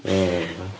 Ia.